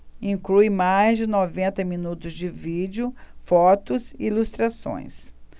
inclui mais de noventa minutos de vídeo fotos e ilustrações